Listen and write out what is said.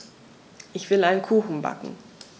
Ich will einen Kuchen backen.